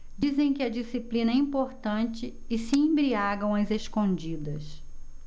dizem que a disciplina é importante e se embriagam às escondidas